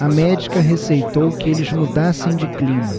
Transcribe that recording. a médica receitou que eles mudassem de clima